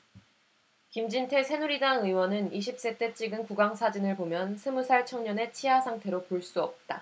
김진태 새누리당 의원은 이십 세 때 찍은 구강 사진을 보면 스무살 청년의 치아 상태로 볼 수 없다